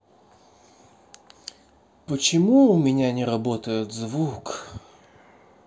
почему у меня не работает звук